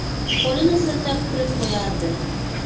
qo'lini siltab kulib qo'yardi